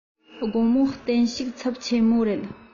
དགོང མོ བསྟན བཤུག ཚབས ཆེན མོ རེ